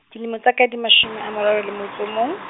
dilemo tsa ka di mashome a mararo le motso o mong.